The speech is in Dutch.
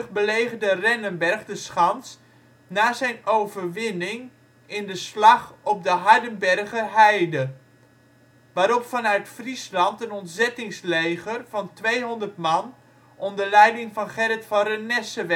belegerde Rennenberg de schans na zijn overwinning in de Slag op de Hardenbergerheide, waarop vanuit Friesland een ontzettingsleger van 200 man onder leiding van Gerrit van Renesse